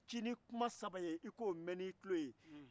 o bɔtɔ an denw masaw yɛrɛ de la